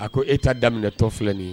A ko e ta daminɛ tɔ filɛ nin